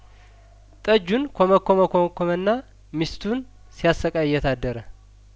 ጠጁን ኰመኰመ ኰመኰመና ሚስቱን ሲያሰቃያት አደረ